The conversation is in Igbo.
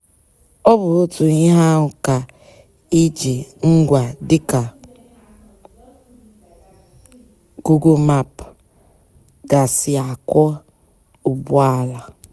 Ọ bụ otu ihe ahụ ka ịji ngwa dịka Google Map gasị akwọ ụgbọala.